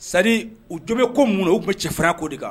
C'est à dire u jo bɛ ko mun u tun bɛ cɛfarinya k'o de kan